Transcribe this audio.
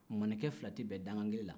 malikɛ fila tɛ bɛn dangan kelen na